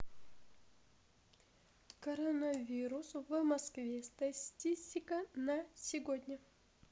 коронавирус в москве статистика на сегодня